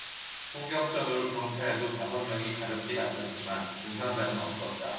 총격전으로 경찰도 다섯 명이 가볍게 다쳤지만 중상자는 없었다